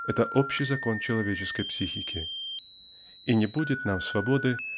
это общий закон человеческой психики. И не будет нам свободы